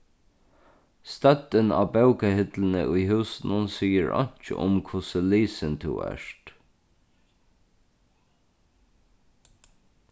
støddin á bókahillini í húsinum sigur einki um hvussu lisin tú ert